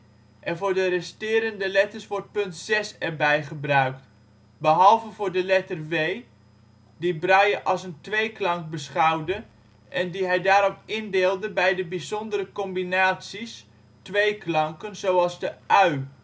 en voor de resterende letters wordt punt 6 erbij gebruikt, behalve voor de letter ' w ', die Braille als een tweeklank beschouwde en die hij daarom indeelde bij de bijzondere combinaties: tweeklanken (zoals de ' ui